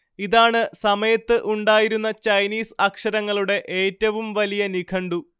ഇതാണ് സമയത്ത് ഉണ്ടായിരുന്ന ചൈനീസ് അക്ഷരങ്ങളുടെഏറ്റവും വലിയ നിഘണ്ടു